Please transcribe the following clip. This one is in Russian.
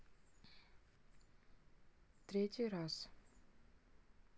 третий раз